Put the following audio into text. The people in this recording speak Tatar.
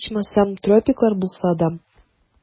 Ичмасам, тропиклар булса да...